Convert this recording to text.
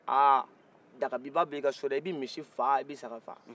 aah daga biba b'i ka so dɛ i bɛ misi faa e bɛ saga faa